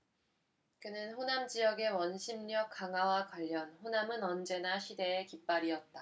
그는 호남지역의 원심력 강화와 관련 호남은 언제나 시대의 깃발이었다